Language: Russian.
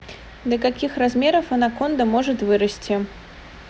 до каких размеров анаконда может вырасти